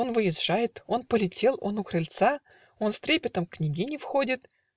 он выезжает, Он полетел, он у крыльца, Он с трепетом к княгине входит